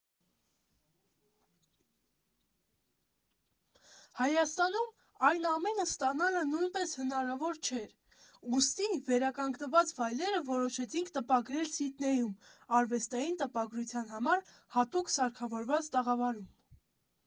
Հայաստանում այս ամենը ստանալը նույնպես հնարավոր չէր, ուստի վերականգնված ֆայլերը որոշեցինք տպագրել Սիդնեյում՝ արվեստային տպագրության համար հատուկ սարքավորված տաղավարում։